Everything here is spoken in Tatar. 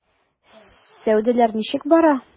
Сәүдәләр ничек бара?